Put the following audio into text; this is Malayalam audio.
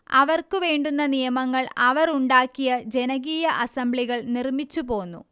അവർക്ക് വേണ്ടുന്ന നിയമങ്ങൾ അവർ ഉണ്ടാക്കിയ ജനകീയ അസംബ്ലികൾ നിർമ്മിച്ചു പോന്നു